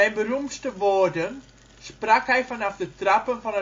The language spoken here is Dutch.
beroemdste woorden sprak hij vanaf de trappen van